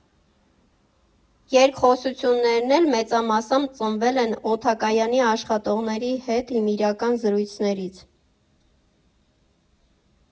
Երկխոսություններն էլ մեծամասամբ ծնվել են օդակայանի աշխատողների հետ իմ իրական զրույցներից։